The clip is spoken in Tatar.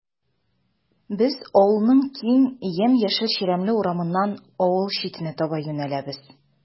Без авылның киң, ямь-яшел чирәмле урамыннан авыл читенә таба юнәләбез.